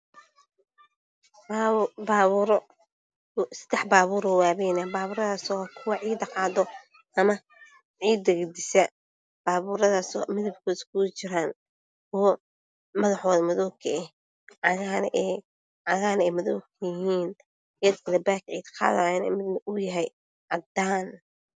Baaburo o sadax baabuur o waaweyn ah baaburadsoo kuwa ciida qado ama cida gadisa baburadsoo midabkooda iskugu jiran kuwa madaxoda madow ka ah cagahana ee ay madoow ka yihin